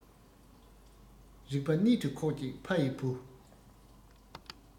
རིག པ གནད དུ ཁོད ཅིག ཕ ཡི བུ